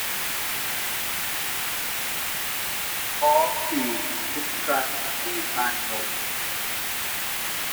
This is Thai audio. ท้องอืดทุกครั้งที่ทานนม